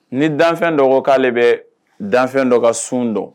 Ni danfɛn dɔgɔ k'ale bɛ dan dɔ ka sun dɔn